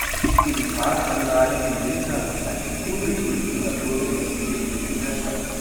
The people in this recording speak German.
bieten die Parkanlagen im Winter einen ungetrübten Naturgenuss inmitten der Stadt